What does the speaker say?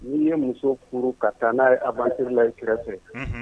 N ye muso furu ka taa n'a ye aventure la i kɛrɛfɛ unhun